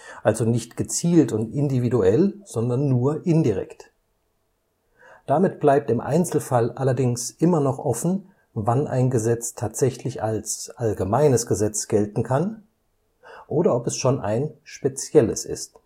also nicht gezielt und individuell, sondern nur indirekt. Damit bleibt im Einzelfall allerdings immer noch offen, wann ein Gesetz tatsächlich als allgemeines Gesetz gelten kann, oder ob es schon ein „ spezielles “ist